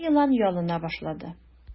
Кара елан ялына башлады.